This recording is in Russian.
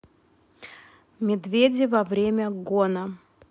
медведи во время гона